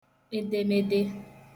edemede